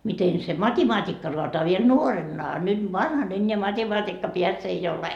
miten se matematiikka raataa vielä vielä nuoremman a nyt vanhan enää matematiikkapääksi ei ole